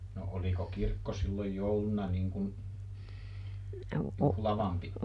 no oliko kirkko silloin jouluna niin kuin juhlavampi